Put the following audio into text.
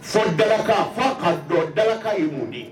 Fo dalakan fa ka dɔn dalakan ye mun de ye